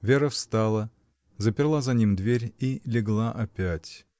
Вера встала, заперла за ним дверь и легла опять.